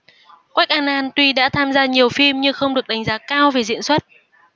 quách an an tuy đã tham gia nhiều phim nhưng không được đánh giá cao về diễn xuất